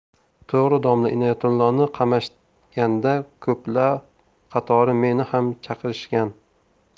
to'g'ri domla inoyatulloni qamashganda ko'plar qatori meni ham chaqirishgan